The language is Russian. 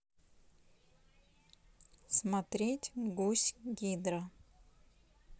смотреть гусь гидра